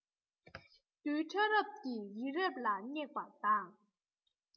རྡུལ ཕྲ རབ ཀྱིས རི རབ ལ བསྙེགས པ དང